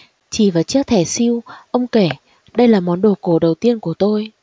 chỉ vào chiếc thẻ sưu ông kể đây là món đồ cổ đầu tiên của tôi